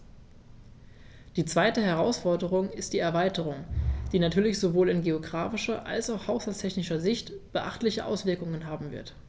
Die zweite Herausforderung ist die Erweiterung, die natürlich sowohl in geographischer als auch haushaltstechnischer Sicht beachtliche Auswirkungen haben wird.